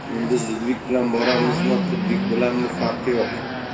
endi zudlik bilan boramizmi pudlik bilanmi farqi yo'q